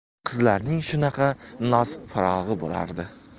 qizlarning shunaqa noz firog'i bo'ladi